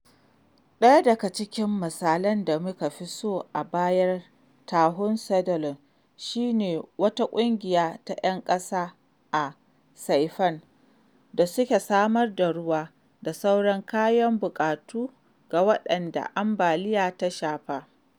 Daya daga cikin misalan da muka fi so bayan Typhoon Soudelor shi ne wata ƙungiya ta ‘yan ƙasa a Saipan da suke samar da ruwa da sauran kayan buƙatu ga waɗanda ambaliyar ta shafa.